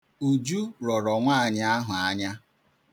Uju rọrọ nwaanyị ahụ anya.